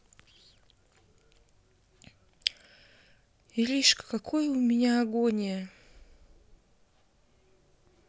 иришка какое у меня агония